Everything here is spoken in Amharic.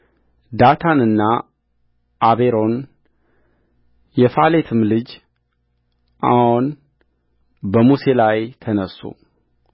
ዳታንና አቤሮን የፋሌትም ልጅ ኦን በሙሴ ላይ ተነሡ ች የኤልያብ ልጆች ዳታንና አቤሮን የፋሌትም ልጅ ኦን በሙሴ